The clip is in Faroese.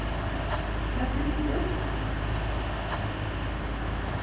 hvat vildi tú